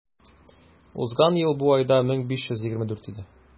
Узган ел бу айда 1524 иде.